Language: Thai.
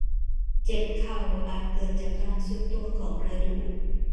เจ็บเข่าอาจเกิดจากการทรุดตัวของกระดูก